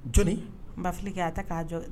Jɔn n'fikɛ a tɛ k'a jɔ